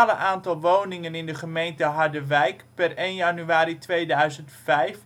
aantal woningen in de gemeente Harderwijk per 01-01-2005 is 15.800